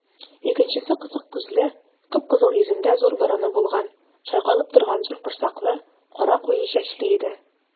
Икенчесе кысык күзле, кып-кызыл йөзендә зур борыны булган, чайкалып торган зур корсаклы, кара куе чәчле иде.